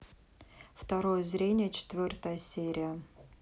второе зрение четвертая серия